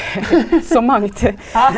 så mangt.